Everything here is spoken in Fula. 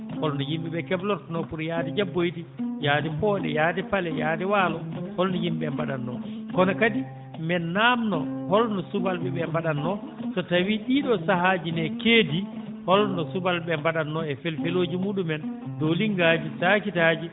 holno yimɓe ɓee keblortonoo pour yahde jabboyde yaade pooɗe yahde pale yahde waalo holno yimɓe ɓee mbaɗatnoo kono kadi men naamdo holno subalɓe ɓe mbaɗatnoo so tawii ɗii ɗoo sahaaji no keedi holno subalɓe ɓe mbaɗatno e felfelooji muɗumen dooliŋngaaji daakiraaji